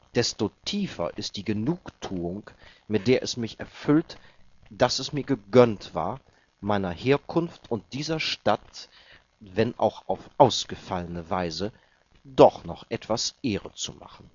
Desto tiefer ist die Genugtuung, mit der es mich erfüllt, daß es mir gegönnt war, meiner Herkunft und dieser Stadt, wenn auch auf ausgefallene Weise, doch noch etwas Ehre zu machen